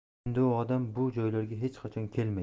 endi u odam bu joylarga hech qachon kelmaydi